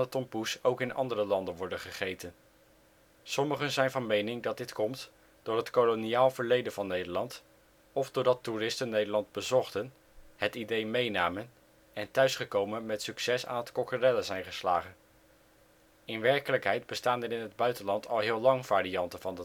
tompoes ook in andere landen worden gegeten. Sommigen zijn van mening dat dit komt door het koloniaal verleden van Nederland of doordat toeristen Nederland bezochten, het idee meenamen en thuis gekomen met succes aan het kokkerellen zijn geslagen. In werkelijkheid bestaan er in het buitenland al heel lang varianten van